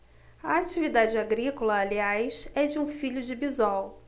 a atividade agrícola aliás é de um filho de bisol